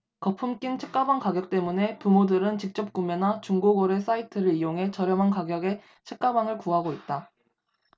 거품 낀 책가방 가격 때문에 부모들은 직접구매나 중고거래 사이트를 이용해 저렴한 가격에 책가방을 구하고 있다